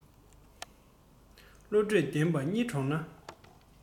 བློ གྲོས ལྡན པ གཉིས བགྲོས ན